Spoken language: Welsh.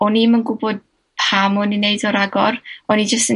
o'n i'm yn gwbod pam o'n i'n neud o ragor. O'n i jyst yn